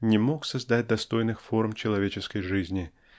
не мог создать достойных форм человеческой жизни